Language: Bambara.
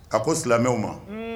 A ko silamɛmɛw ma